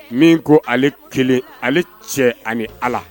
Min ko ale kelen ale cɛ ani Ala